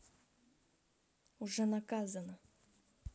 уже наказана